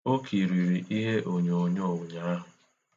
O kiriri ihe onyoonyo ụnyaahụ,